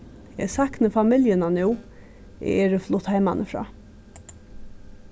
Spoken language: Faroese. eg sakni familjuna nú eg eri flutt heimanífrá